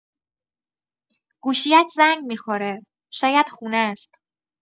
گوشی‌ات زنگ می‌خوره، شاید خونه‌ست.